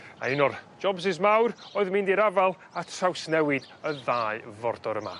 A un o'r jobsys mawr oedd mynd i'r afa'l a trawsnewid y ddau fordor yma.